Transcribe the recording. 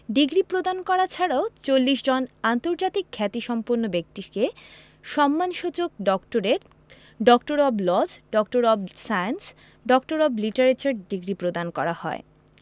degree প্রদান করা ছাড়াও ৪০ জন আন্তর্জাতিক খ্যাতিসম্পন্ন ব্যক্তিকে সম্মানসূচক doctorate doctor of laws doctor of science doctor of literature degree প্রদান করা হয়